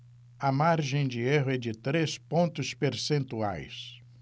a margem de erro é de três pontos percentuais